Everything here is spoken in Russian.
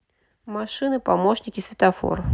машины помощники светофор